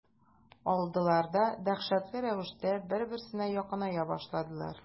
Алдылар да дәһшәтле рәвештә бер-берсенә якыная башладылар.